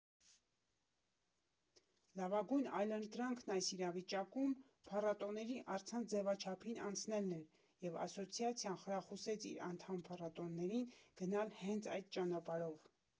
Լավագույն այլընտրանքն այս իրավիճակում փառատոների առցանց ձևաչափին անցնելն էր, և ասոցիացիան խրախուսեց իր անդամ փառատոներին գնալ հենց այդ ճանապարհով։